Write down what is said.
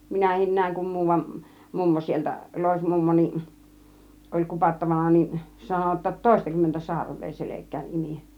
minäkin näin kun muuan mummo sieltä loismummo niin oli kupattavana niin sanoi jotta toistakymmentä sarvea selkään imi